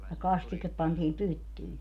ja kastike pantiin pyttyihin